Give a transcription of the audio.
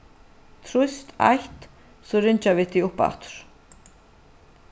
trýst eitt so ringja vit teg uppaftur